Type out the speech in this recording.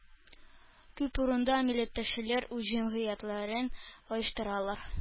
Күп урында милләттәшләр үз җәмгыятьләрен оештыралар